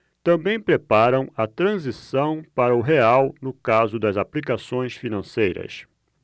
também preparam a transição para o real no caso das aplicações financeiras